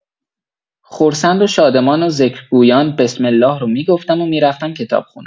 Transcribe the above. خرسند و شادمان و ذکرگویان، بسم‌الله رو می‌گفتم و می‌رفتم کتابخونه.